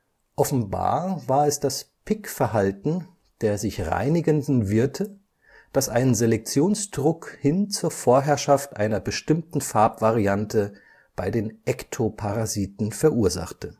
offenbar war es das Pickverhalten der sich reinigenden Wirte, das einen Selektionsdruck hin zur Vorherrschaft einer bestimmten Farbvariante bei den Ektoparasiten verursachte